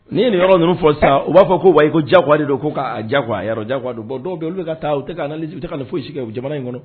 Ni'i ye nin yɔrɔ ninnu fɔ sa u b'a fɔ ko wa ko jagoale don ko' diya jaa don bɔn dɔw olu bɛ ka taa u u foyi si kɛ u jamana in kɔnɔ